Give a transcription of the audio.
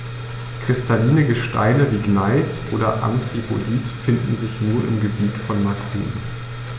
Kristalline Gesteine wie Gneis oder Amphibolit finden sich nur im Gebiet von Macun.